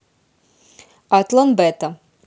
атлон бета